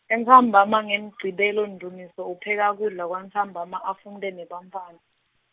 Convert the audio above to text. Entsambama ngeMgcibelo Ndumiso upheka kudla kwantsambama afunte nebantfwana.